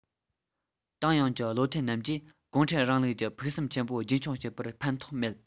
ཏང ཡོངས ཀྱི བློ མཐུན རྣམས ཀྱིས གུང ཁྲན རིང ལུགས ཀྱི ཕུགས བསམ ཆེན པོ རྒྱུན འཁྱོངས བྱེད པར ཕན ཐོགས མེད